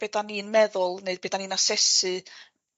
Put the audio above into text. be' 'dan ni'n meddwl neu be' dan ni'n asesu